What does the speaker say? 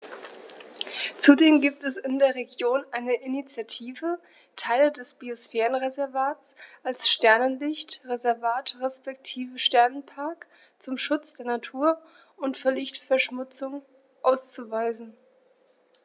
Zudem gibt es in der Region eine Initiative, Teile des Biosphärenreservats als Sternenlicht-Reservat respektive Sternenpark zum Schutz der Nacht und vor Lichtverschmutzung auszuweisen.